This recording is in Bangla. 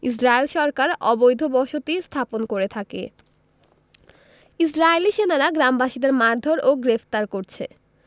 ইসরাইল সরকার অবৈধ বসতি স্থাপন করে থাকে ইসরাইলী সেনারা গ্রামবাসীদের মারধোর ও গ্রেফতার করছে